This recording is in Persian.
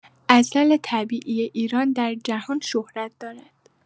عسل طبیعی ایران در جهان شهرت دارد.